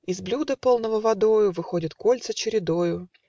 Из блюда, полного водою, Выходят кольцы чередою